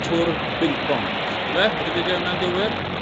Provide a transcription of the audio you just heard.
Tour Binc Bonc yfe? Odi fi ga' wnna'n gywir?